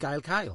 Gael cael.